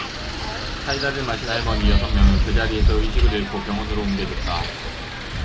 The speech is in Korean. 사이다를 마신 할머니 여섯 명은 그 자리에서 의식을 잃고 병원으로 옮겨졌다